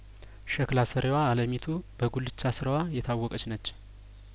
ሸክላ ሰሪዋ አለሚቱ በጉልቻ ስራዋ የታወቀችነች